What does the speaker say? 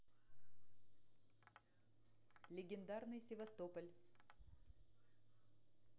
легендарный севастополь